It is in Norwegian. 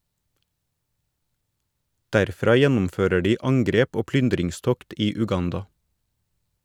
Derfra gjennomfører de angrep og plyndringstokt i Uganda.